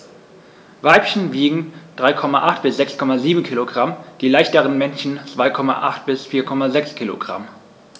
Weibchen wiegen 3,8 bis 6,7 kg, die leichteren Männchen 2,8 bis 4,6 kg.